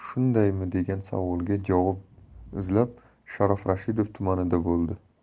savolga javob izlab sharof rashidov tumanida bo'ldi